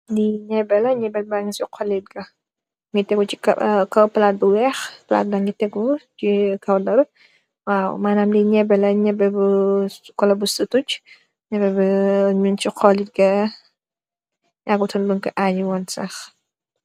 Li nyebbeh la mougui teggou ci kaw kollit ba noung ko tek ci kaw palat bou weck manam li nyebbeh la mong ci kaw kollit ga yagouy koy hajji sak